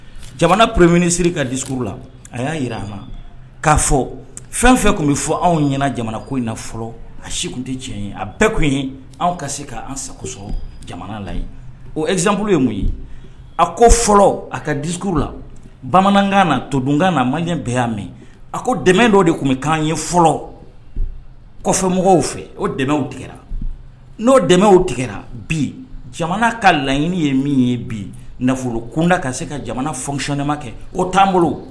Jamana ku minisiri ka a y'a jira ma k'a fɔ fɛn fɛn tun bɛ fɔ anw ɲɛna jamana ko in fɔlɔ a si tun tɛ tiɲɛ a bɛɛ tun ye ka se k' sagosɔ jamana la ozankulu ye mun ye a ko fɔlɔ a ka di la bamanankan na todkan na man ɲɛ bɛɛ y'a mɛn a ko dɛmɛ dɔ de tun bɛ k'an ye fɔlɔ kɔfɛ mɔgɔw fɛ ow tigɛ n' dɛmɛ tigɛra bi jamana ka laɲini ye min ye bi nafolo kunda ka se ka jamana fsiɔnɛma kɛ o t'an bolo